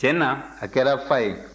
tiɲɛ na a kɛra fa ye